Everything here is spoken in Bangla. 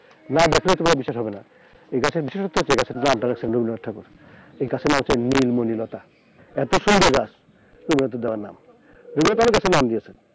না দেখলে তোমার বিশ্বাস হবে না এই গাছের বিশেষত্ব হচ্ছে এই গাছের নামটা রাখছে রবীন্দ্রনাথ ঠাকুর এ গাছের নাম হচ্ছে নীলমণি লতা এত সুন্দর গাছ রবীন্দ্রনাথের দেওয়া নাম রবীন্দ্রনাথ অনেক গাছের নাম দিয়েছেন